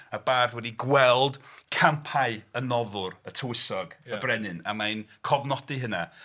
Y bardd wedi gweld campau y noddwr, y tywysog, y brenin, a mae'n cofnodi hynna...